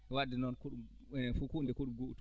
wadde noon ko ɗum huunde ko ɗum gotum